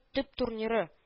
Төп турниры